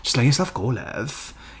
Just let yourself go love.